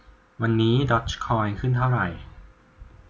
วันนี้ดอร์จคอยขึ้นเท่าไหร่